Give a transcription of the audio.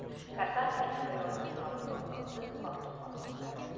kassandra embrionlar soni to'xtovsiz ortib bormoqda